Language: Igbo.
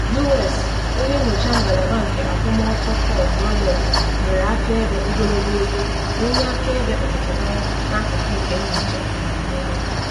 U.S. Onye Nyocha Ngalaba nke Akwụmụtọ Paul Rowlett nyere akaebe ogologo oge ka onye akaebe ọkachamara n’akụkụ nke nyocha amamịghe.